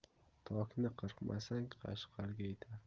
tokni qirqmasang qashqarga yetar